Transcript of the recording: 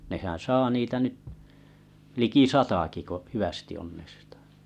nehän saa niitä nyt liki satakin kun hyvästi onnestaa